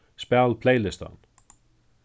spæl playlistan